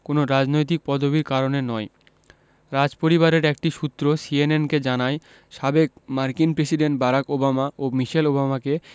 কোনো রাজনৈতিক পদবির কারণে নয় রাজপরিবারের একটি সূত্র সিএনএনকে জানায় সাবেক মার্কিন প্রেসিডেন্ট বারাক ওবামা ও মিশেল ওবামাকে